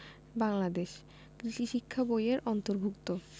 বাংলাদেশ কৃষি শিক্ষা বই এর অন্তর্ভুক্ত